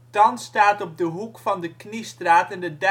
Thans staat op de hoek van de Kniestraat en de Dijkstraat